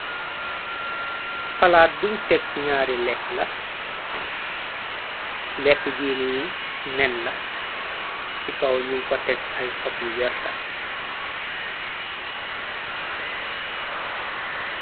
Palaat buñ tekk ñaare lekk la lekk gini nen la ci kaw ñum fa tekg ay xop yu werta.